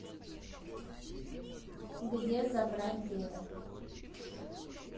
где забрать денег